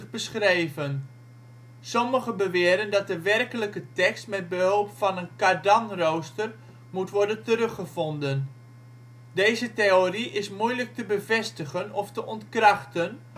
beschreven. Sommigen beweren dat de werkelijke tekst met behulp van een Cardanrooster moet worden teruggevonden. Deze theorie is moeilijk te bevestigen of te ontkrachten